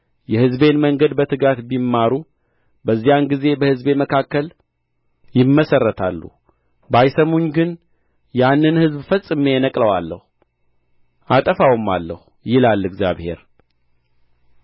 የሕዝቤን መንገድ በትጋት ቢማሩ በዚያን ጊዜ በሕዝቤ መካከል ይመሠረታሉ ባይሰሙኝ ግን ያንን ሕዝብ ፈጽሜ እነቅለዋለሁ አጠፋውማለሁ ይላል እግዚአብሔር